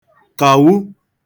kàwu